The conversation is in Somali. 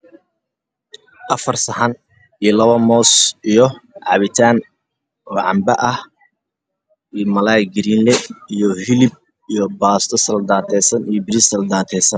Waa afar saxan oo ku jirto cunto labo moos iyo weli ku jira cabitaan oo miis saaran